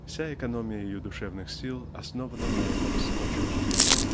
Вся экономия ее душевных сил основана на этом самочувствии.